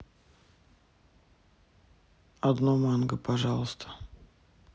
одно манго пожалуйста